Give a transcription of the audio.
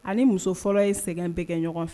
Ani muso fɔlɔ ye sɛgɛn bɛ kɛ ɲɔgɔn fɛ